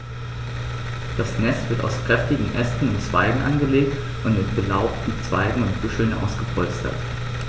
Das Nest wird aus kräftigen Ästen und Zweigen angelegt und mit belaubten Zweigen und Büscheln ausgepolstert.